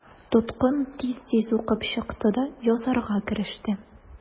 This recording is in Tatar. Тоткын тиз-тиз укып чыкты да язарга кереште.